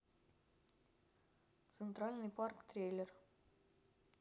центральный парк трейлер